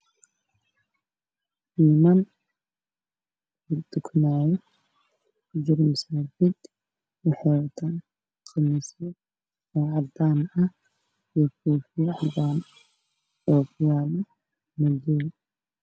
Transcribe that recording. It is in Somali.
Niman dukanaayo waxay wataan khamiisyo iyo koofiyo cadaan ah